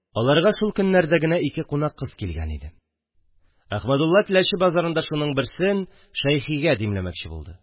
Аларга шул көннәрдә генә ике кунак кыз килгән иде – Әхмәдулла Теләче базарында шуның берсен Шәйхигә димләмәкче булды